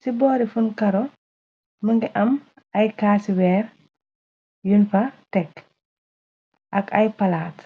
ci boori funkaro më ngi am ay kaasi weer yun fa tekk ak ay palaats.